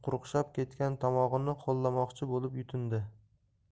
quruqshab ketgan tomog'ini ho'llamoqchi bo'lib yutindi